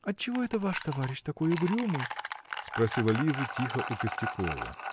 – Отчего это ваш товарищ такой угрюмый? – спросила Лиза тихо у Костякова.